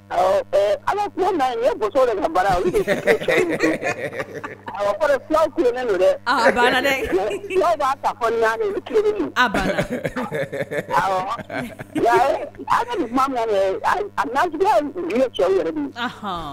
Tile bara a filati a la a fɛ